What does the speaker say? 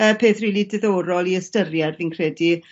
y peth rili diddorol i ystyried fi'n credu.